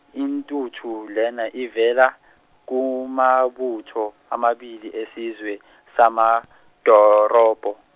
intuthu lena ivela kumabutho amabili esizwe samaNdorobo.